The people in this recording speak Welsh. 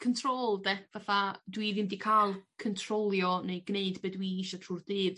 controle 'de fatha dwi ddim 'di ca'l cyntrowlio neu gneud be' dwi isio trw'r dydd.